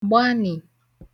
gbanị̀